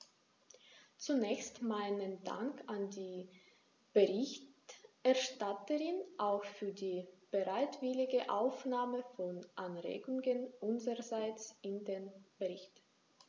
Zunächst meinen Dank an die Berichterstatterin, auch für die bereitwillige Aufnahme von Anregungen unsererseits in den Bericht.